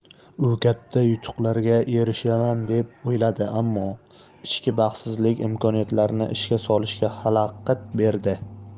u katta yutuqlarga erishaman deb o'ylaydi ammo ichki baxtsizlik imkoniyatlarini ishga solishiga xalaqit beradi